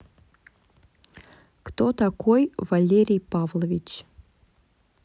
кто такой валерий павлович